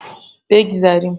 بگذریم!